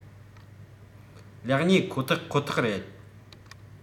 ལེགས ཉེས ཁོ ཐག ཁོ ཐག རེད